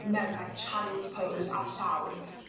mewn like child's pose ar llawr